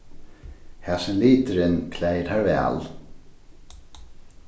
hasin liturin klæðir tær væl